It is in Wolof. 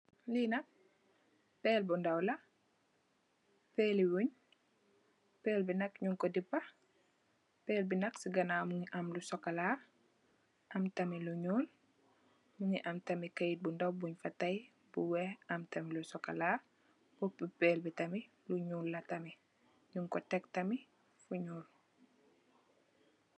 Li nak pèl bu ndaw, pèl li wèn, pèl bi nak nung ko dapa. Pèl bi nak ci ganaaw mungi am lu sokola, am tamit lu ñuul mungi am tamit kayit bu ndaw bun fa tayè bu weeh am tamit lu sokola. Boppu pèl bi tamit bu ñuul la tamit nung ko tekk tamit fu ñuul.